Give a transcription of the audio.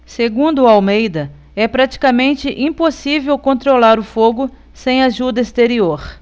segundo almeida é praticamente impossível controlar o fogo sem ajuda exterior